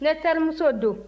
ne terimuso don